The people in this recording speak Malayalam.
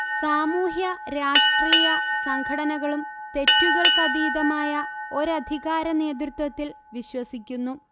സാമൂഹ്യരാഷ്ട്രീയ സംഘടനകളും തെറ്റുകൾക്കതീതമായ ഒരധികാരനേതൃത്വത്തിൽ വിശ്വസിക്കുന്നു